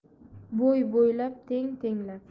bo'y bo'ylab teng tenglab